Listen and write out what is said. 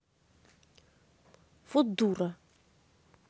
вот дура